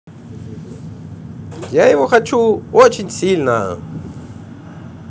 я его хочу очень сильно